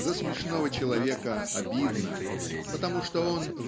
За смешного человека обидно, потому что он